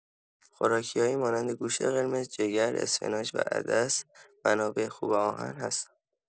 خوراکی‌هایی مانند گوشت قرمز، جگر، اسفناج و عدس منابع خوب آهن هستند.